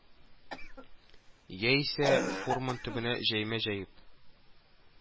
Яисә фурман төбенә җәймә җәеп